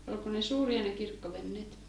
oliko ne suuria ne kirkkoveneet